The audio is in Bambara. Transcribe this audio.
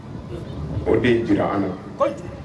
O den jira an na